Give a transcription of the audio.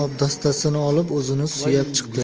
obdastasini olib o'zini suyab chiqdi